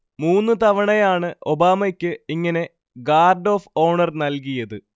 മൂന്ന് തവണയാണ് ഒബാമയ്ക്ക് ഇങ്ങനെ 'ഗാർഡ് ഒഫ് ഓണർ' നൽകിയത്